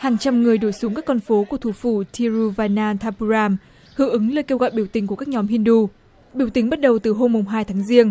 hàng trăm người đổ xuống các con phố của thủ phủ thi ru vai na tha bu ram hưởng ứng lời kêu gọi biểu tình của các nhóm hin đu biểu tình bắt đầu từ hôm mùng hai tháng giêng